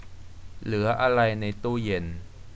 เหลืออะไรในตู้เย็น